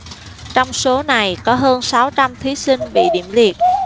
trong số này có hơn sáu trăm thí sinh bị điểm liệt